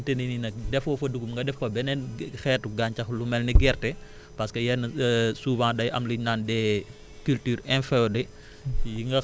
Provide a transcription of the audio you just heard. mais bu fekkente ne ni nag defoo fa dugub nga def fa beneen xeetu gàncax lu mel ni gerte parce que yenn souvent day am lu ñuy naan des cultures inféodées